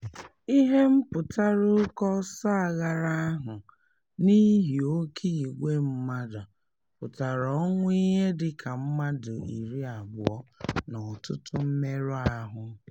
Ihe mpụtara oke ọsọ aghara ahụ n'ihi oke ìgwe mmadụ butere ọnwụ ihe dị ka mmadụ 20 na ọtụtụ mmerụ ahụ.